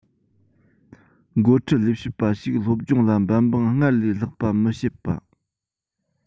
འགོ ཁྲིད ལས བྱེད པ ཞིག སློབ སྦྱོང ལ འབད འབུངས སྔར ལས ལྷག པ མི བྱེད པ